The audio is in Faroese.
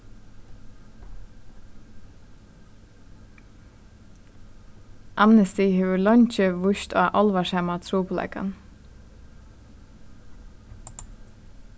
amnesty hevur leingi víst á álvarsama trupulleikan